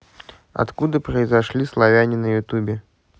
откуда произошли славяне на ютубе